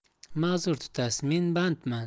ma'zur tutasiz men bandman